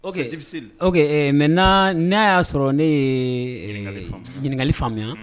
Mɛ'a y'a sɔrɔ ne yeka ɲininkakali faamuya